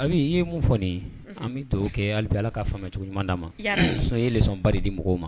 a ye mun fɔ nin an bɛ to kɛ halibi ala ka fangacogo ɲuman ma muso ye lesɔnba di mɔgɔw ma